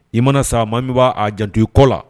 I mana sa ma min b'a jan i kɔ la